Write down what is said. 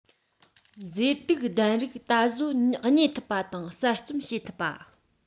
མཛེས སྡུག ལྡན རིགས ད གཟོད རྙེད ཐུབ པ དང གསར རྩོམ བྱེད ཐུབ པ